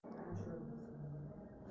othq piyodaga hamroh bo'lmas